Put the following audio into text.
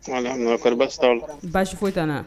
An nana kari t' la basiko t